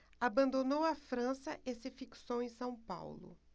abandonou a frança e se fixou em são paulo